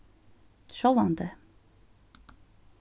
sjálvandi